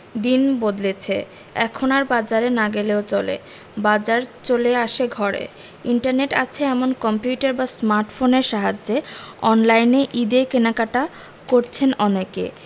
দিন বদলেছে এখন আর বাজারে না গেলেও চলে বাজার চলে আসে ঘরে ইন্টারনেট আছে এমন কম্পিউটার বা স্মার্টফোনের সাহায্যে অনলাইনে ঈদের কেনাকাটা করছেন অনেকে